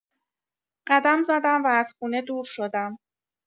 قدم زدم و از خونه دور شدم.